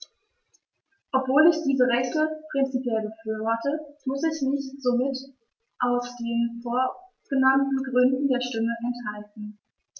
Obwohl ich diese Rechte prinzipiell befürworte, musste ich mich somit aus den vorgenannten Gründen der Stimme enthalten.